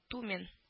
Тумен